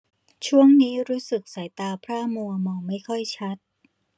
ช่วงนี้รู้สึกสายตาพร่ามัวมองไม่ค่อยชัด